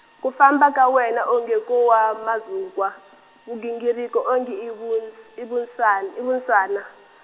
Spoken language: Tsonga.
ku famba ka wena onge ko wa mazukwa , vugingiriko onge ivuns- ivunsan- ivunsana-.